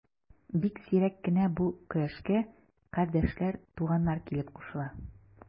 Бик сирәк кенә бу көрәшкә кардәшләр, туганнар килеп кушыла.